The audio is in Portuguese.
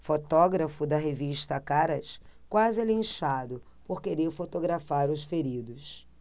fotógrafo da revista caras quase é linchado por querer fotografar os feridos